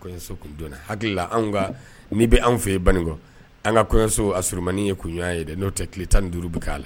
Kɔɲɔso hakili an n' bɛ anw fɛ bankɔ an ka kɔɲɔso a s sɔrɔmaninin ye kunɲɔgɔnwan ye dɛ n'o tɛ tile tan ni duuru bɛ k'a la